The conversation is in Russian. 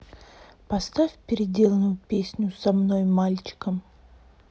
поставь переделанную песню со мной мальчиком